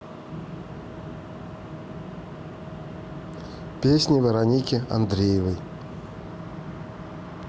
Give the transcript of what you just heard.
песни вероники андреевой